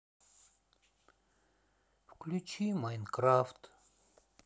включи майнкрафт